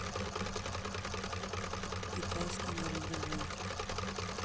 китайский городовой